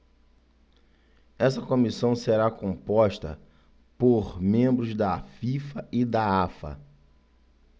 essa comissão será composta por membros da fifa e da afa